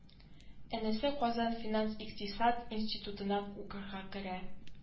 Энесе казан финанс-икътисад институтына укырга керә